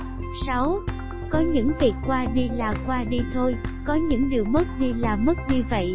có những việc qua đi là qua đi thôi có những điều mất đi là mất đi vậy